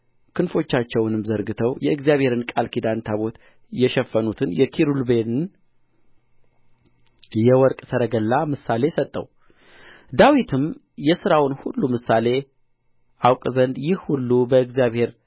ክንፎቻቸውንም ዘርግተው የእግዚአብሔርን ቃል ኪዳን ታቦት የሸፈኑትን የኪሩቤልን የወርቅ ሰረገላ ምሳሌ ሰጠው ዳዊትም የሥራውን ሁሉ ምሳሌ አውቅ ዘንድ ይህ ሁሉ በእግዚአብሔር